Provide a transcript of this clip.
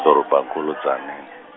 doroba nkulu Tzaneen.